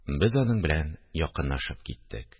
Без аның белән якынлашып киттек